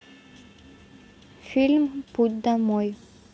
фильм путь домой